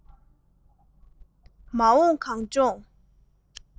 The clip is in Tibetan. མ འོངས གངས ལྗོངས